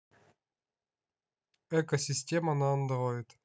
экосистема на андроид